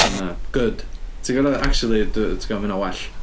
Na good. Tibod acshyli tybod ma' hynna'n well.